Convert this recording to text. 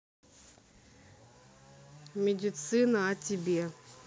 медицина о тебе